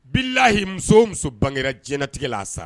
Bilahi muso muso bangera diɲɛtigɛ la a sara